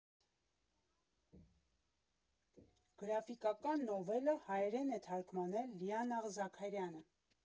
Գրաֆիկական նովելը հայերեն է թարգմանել Լիանա Զաքարյանը։